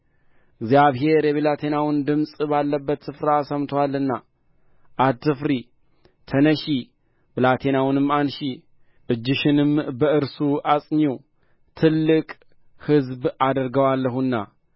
እግዚአብሔር የብላቴናውን ድምፅ ባለበት ስፍራ ሰምቶአልና አትፍሪ ተነሺ ብላቴናውንም አንሺ እጅሽንም በእርሱ አጽኚው ትልቅ ሕዝብ አደርገዋለሁና